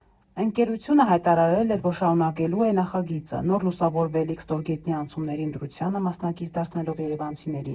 Ընկերությունը հայտարարել էր, որ շարունակելու է նախագիծը՝ նոր լուսավորվելիք ստորգետնյա անցումների ընտրությանը մասնակից դարձնելով երևանցիներին։